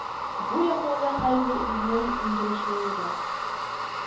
Бу якларда хәзер ирнең уңдырышлылыгы